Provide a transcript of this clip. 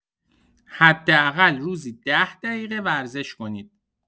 حداقل روزی ۱۰ دقیقه ورزش کنید.